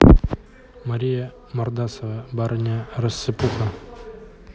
мария мордасова барыня рассыпуха